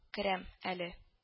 Керәм әле